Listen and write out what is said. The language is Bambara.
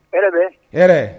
Hɛrɛ bɛ? hɛrɛ